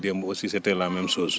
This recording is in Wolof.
démb aussi c' était la même chose